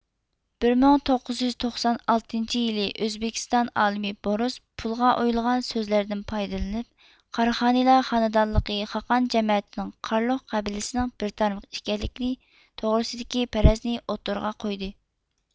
بىر مىڭ توققۇزيۈز توقسان ئالتىنچى يىلى ئۆزبېكىستان ئالىمى بورس پۇلغا ئويۇلغان سۆزلەردىن پايدىلىنىپ قاراخانىيلار خانىدانلىقى خاقان جەمەتىنىڭ قارلۇق قەبىلىسىنىڭ بىر تارمىقى ئىكەنلىكى توغرىسىدىكى پەرەزنى ئوتتۇرىغا قويدى